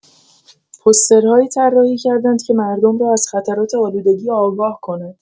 پوسترهایی طراحی کردند که مردم را از خطرات آلودگی آگاه کند.